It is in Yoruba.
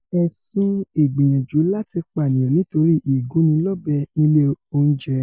Ẹ̀sùn ìgbìyànjú láti pànìyàn nítorí ìgúnnilọ́bẹ nílé oúnjẹ